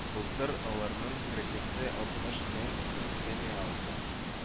Былтыр аларның һәркайсы елтмыш мең сум премия алды